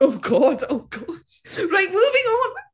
Oh god oh god. Right, moving on.